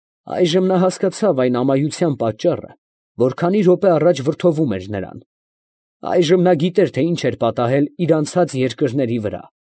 Այժմ նա հասկացավ այն ամայության պատճառը, որ քանի րոպե առաջ վրդովում էր նրան. այժմ նա գիտեր, թե ինչ էր պատահել իր անցած երկրների վրա։